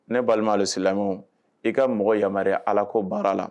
Ne balimasila i ka mɔgɔ yamaruya ala ko baara la